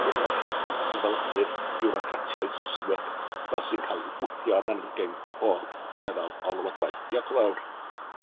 wneud yn well nag efelychu'r fiwrocratiaid Saesneg ma' sy'n ca'l 'i wthio arnon ni gin bob lefel o lywodraeth. Diolch yn fawr.